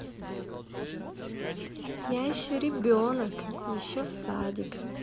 я еще ребенок еще в садик